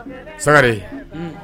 Sagare